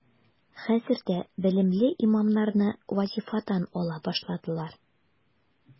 Хәзер дә белемле имамнарны вазифадан ала башладылар.